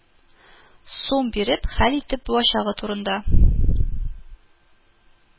Сум биреп, хәл итеп булачагы турында